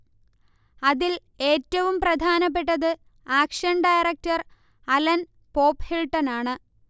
അതിൽ ഏറ്റവും പ്രധാനപ്പെട്ടത് ആക്ഷൻ ഡയറക്ടർ അലൻ പോപ്ഹിൽട്ടണാണ്